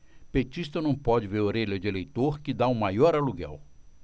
petista não pode ver orelha de eleitor que tá o maior aluguel